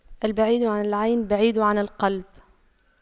البعيد عن العين بعيد عن القلب